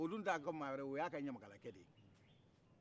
o dun t'a ka mɔgɔ wɛrɛ ye o'ya ka ɲamakala kɛ de ye